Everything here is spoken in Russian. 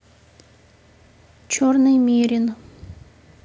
черный мерин